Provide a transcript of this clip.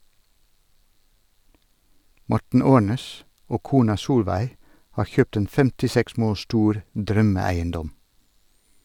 Morten Aarnes og kona Solveig har kjøpt en 56 mål stor drømmeeiendom.